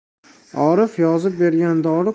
orif yozib bergan dori